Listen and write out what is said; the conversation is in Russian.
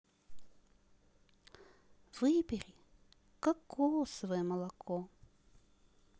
выбери кокосовое молоко